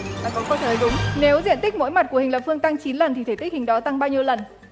có câu trả lời đúng nếu diện tích mỗi mặt của hình lập phương tăng chín lần thì thể tích hình đó tăng bao nhiêu lần